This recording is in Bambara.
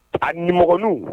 A nimɔgɔnuw